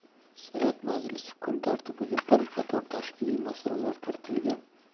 senat majlisi kun tartibiga bir qator tashkiliy masalala kiritilgan